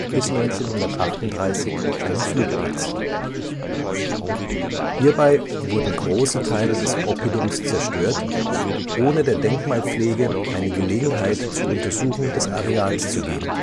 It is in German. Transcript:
– 38 einen Flugplatz. Hierbei wurden große Teile des Oppidums zerstört, ohne der Denkmalpflege eine Gelegenheit zur Untersuchung des Areals zu geben